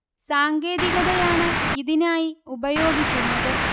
സാങ്കേതികതയാണ് ഇതിനായി ഉപയോഗിക്കുന്നത്